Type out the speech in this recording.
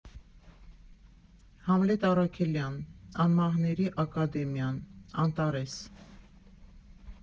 Համլետ Առաքելյան «Անմահների ակադեմիան», Անտարես։